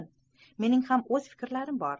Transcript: mening ham o'z fikrlarim bor